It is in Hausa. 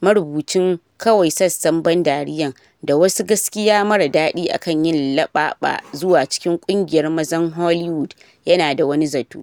marubucin “Kawai Sassan Ban Dariyan: Da Wasu Gaskia Mara Daɗi Akan Yin Laɓaɓa Zuwa Cikin Kungiyar Mazan Hollywood”, yana da wani zato.